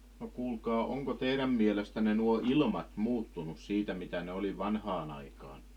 no kuulkaa onko teidän mielestänne nuo ilmat muuttunut siitä mitä ne oli vanhaan aikaan